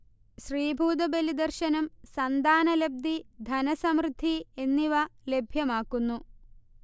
ശ്രീഭൂതബലി ദർശനം സന്താനലബ്ധി, ധനസമൃദ്ധി എന്നിവ ലഭ്യമാക്കുന്നു